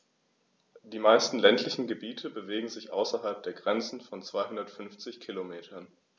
Die meisten ländlichen Gebiete bewegen sich außerhalb der Grenze von 250 Kilometern.